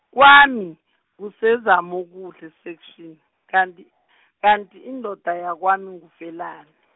kwami, kuseZamokuhle Section, kanti kanti indoda yakwami nguFelani.